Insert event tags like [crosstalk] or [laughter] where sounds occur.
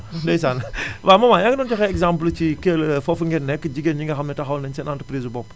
ndeysaan [laughs] waaw maman yaa ngi doon joxe exemples ci Kelle foofu ngeen nekk jigéen ñi nga xam ne taxawal nañu seen entreprise su bopp